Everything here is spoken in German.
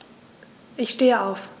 Ich stehe auf.